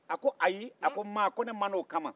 a ko ayi ko ma ne m'o kama